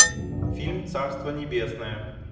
фильм царство небесное